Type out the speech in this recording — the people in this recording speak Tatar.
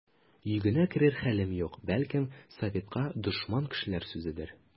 Йөгенә керер хәлем юк, бәлкем, советка дошман кешеләр сүзедер.